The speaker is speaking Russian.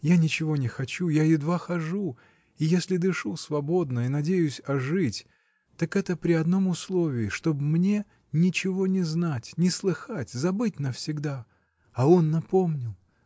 Я ничего не хочу, я едва хожу — и если дышу свободно и надеюсь ожить, так это при одном условии — чтоб мне ничего не знать, не слыхать, забыть навсегда. А он напомнил!